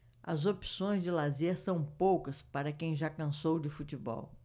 as opções de lazer são poucas para quem já cansou de futebol